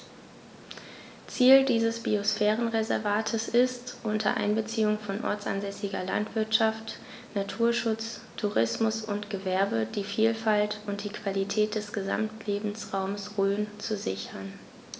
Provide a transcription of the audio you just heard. Ziel dieses Biosphärenreservates ist, unter Einbeziehung von ortsansässiger Landwirtschaft, Naturschutz, Tourismus und Gewerbe die Vielfalt und die Qualität des Gesamtlebensraumes Rhön zu sichern.